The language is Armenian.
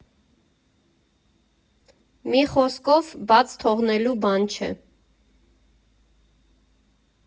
Մի խոսքով, բաց թողնելու բան չէ։